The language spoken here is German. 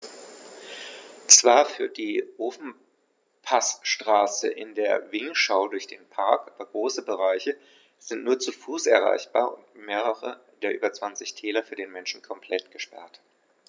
Zwar führt die Ofenpassstraße in den Vinschgau durch den Park, aber große Bereiche sind nur zu Fuß erreichbar und mehrere der über 20 Täler für den Menschen komplett gesperrt.